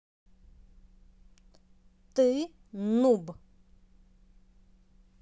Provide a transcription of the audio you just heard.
ты нуб